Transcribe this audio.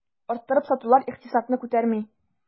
Арттырып сатулар икътисадны күтәрми.